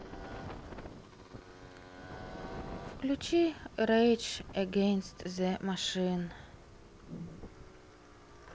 включи рейдж эгейнст зе машин